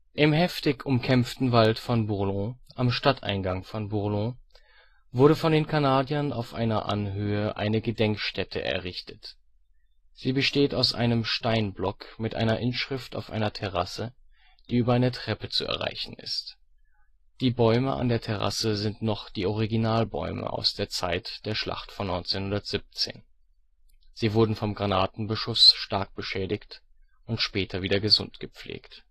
Im heftig umkämpften Wald von Bourlon, am Stadteingang von Bourlon, wurde von den Kanadiern auf einer Anhöhe eine Gedenkstätte errichtet. Sie besteht aus einem Steinblock mit einer Inschrift auf einer Terrasse, die über eine Treppe zu erreichen ist. Die Bäume an der Terrasse sind noch die Originalbäume aus der Zeit der Schlacht von 1917. Sie wurden vom Granatenbeschuss stark beschädigt und später wieder gesundgepflegt